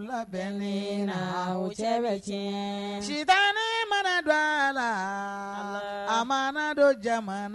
Wula le la cɛ bɛ tiɲɛ sitan mana don a la a ma don jamana